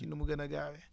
ci nu mu gën a gaawaa